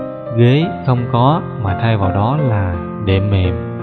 ghế không có mà thay vào đó là đệm mềm